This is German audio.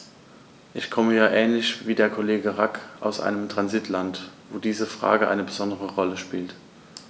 Ich komme ja ähnlich wie der Kollege Rack aus einem Transitland, wo diese Frage eine besondere Rolle spielt.